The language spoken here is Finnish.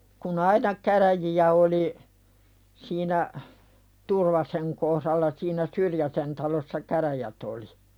kun aina käräjiä oli siinä Turvasen kohdalla siinä Syrjäsen talossa käräjät oli